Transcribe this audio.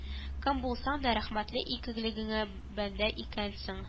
Кем булсаң да рәхмәтле икелегеңне бәндә икәнсең